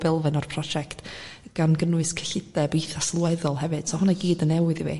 pob elfen o'r project gan gynnwys cyllideb eitha sylweddol hefyd so o'dd hyna i gyd yn newydd i fi